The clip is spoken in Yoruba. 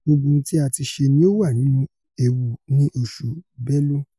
'Gbogbo ohun tí a tíṣe ní ó wà nínú ewu ní oṣù Bélú.